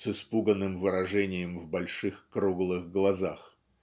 с испуганным выражением в больших круглых глазах"